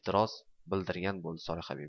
e'tiroz bildirgan bo'ldi solihabibi